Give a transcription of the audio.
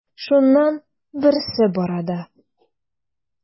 Шуннан берсе бара да:.